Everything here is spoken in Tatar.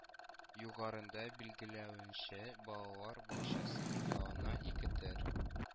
Югарыда билгеләнүенчә, балалар бакчасы филиалына ике төр